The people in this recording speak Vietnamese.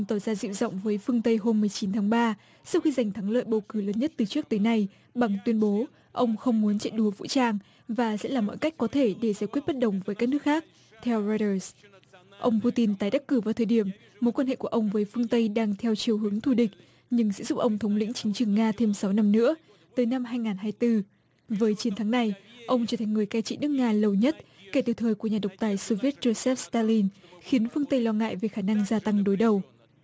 tỏ ra dịu giọng với phương tây hôm mười chín tháng ba sau khi giành thắng lợi bầu cử lớn nhất từ trước tới nay bằng tuyên bố ông không muốn chạy đua vũ trang và sẽ làm mọi cách có thể để giải quyết bất đồng với các nước khác theo roi đờ ông pu tin tái đắc cử vào thời điểm mối quan hệ của ông với phương tây đang theo chiều hướng thù địch nhưng sẽ giúp ông thống lĩnh chính trường nga thêm sáu năm nữa từ năm hai ngàn hay tư với chiến thắng này ông trở thành người cai trị nước nga lâu nhất kể từ thời của nhà độc tài xô viết giôn sép te lin khiến phương tây lo ngại về khả năng gia tăng đối đầu